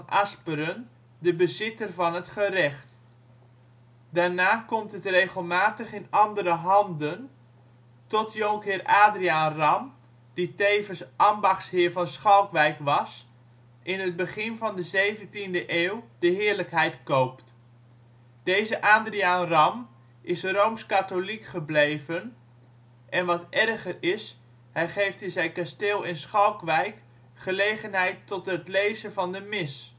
Asperen de bezitter van het gerecht. Daarna komt het regelmatig in andere handen tot Jhr. Adriaan Ram, die tevens ambachtsheer van Schalkwijk was, in het begin van de 17de eeuw de heerlijkheid koopt. Deze Adriaan Ram is rooms-katholiek gebleven en wat erger is hij geeft in zijn kasteel in Schalkwijk gelegenheid tot het lezen van de mis